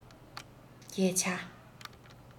སྐད ཆ